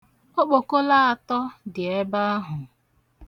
Okpokolo atọ dị ebe ahụ.